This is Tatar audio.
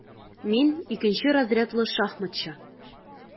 Мин - икенче разрядлы шахматчы.